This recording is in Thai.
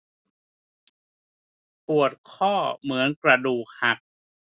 ปวดข้อเหมือนกระดูกหัก